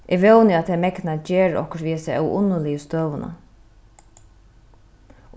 eg vóni at tey megna at gera okkurt við hesa óunniligu støðuna